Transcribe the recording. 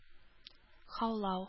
Һаулау